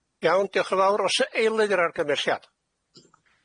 Iawn diolch yn fawr o's y eilydd i'r argymhelliad.